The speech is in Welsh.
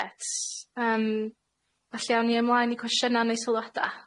Reit yym felly awn ni ymlaen i cwestiynau neu sylwada.